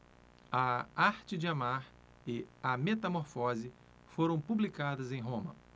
a arte de amar e a metamorfose foram publicadas em roma